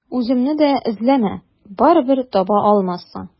Үземне дә эзләмә, барыбер таба алмассың.